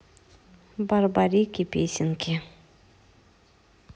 барбарики песенки